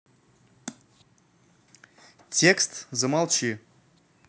текст замолчи